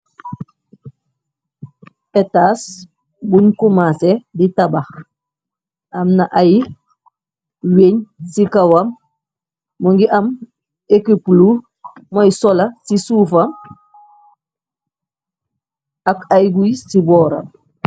Ettas buñ kumaase di tabax am na ay weñg ci kawam mu ngi am ekuiplu moy sola ci suufa ak ay wiss ci booram.